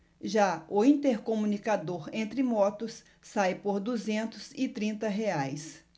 já o intercomunicador entre motos sai por duzentos e trinta reais